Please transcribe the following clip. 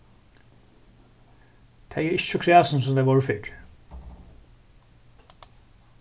tey eru ikki so kræsin sum tey vóru fyrr